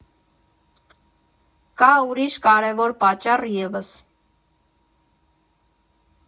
Կա ուրիշ կարևոր պատճառ ևս.